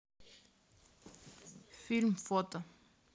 фильм фото